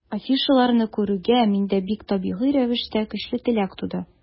Афишаларын күрүгә, миндә бик табигый рәвештә көчле теләк туды.